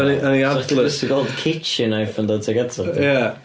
Yn ei antlers... 'Sech chdi jyst yn gweld kitchen knife yn dod tuag atoch chdi... Ia.